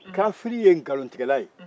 kafiri ye nkalontigɛla ye